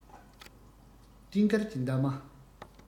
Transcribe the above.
སྤྲིན དཀར གྱི འདབ མ